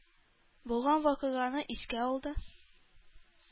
Булган вакыйганы искә алды.